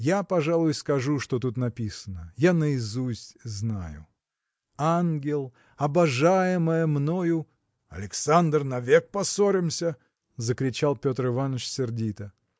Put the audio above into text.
– Я, пожалуй, скажу, что тут написано я наизусть знаю Ангел, обожаемая мною. – Александр! Навек поссоримся! – закричал Петр Иваныч сердито.